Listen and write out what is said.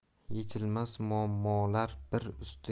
yechilmas muammolar biri